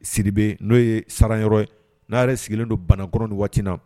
Siribe n'o ye sarayɔrɔ ye n'a yɛrɛ sigilen don Banakɔrɔ ni waati in na.